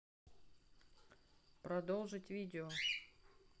продолжить видео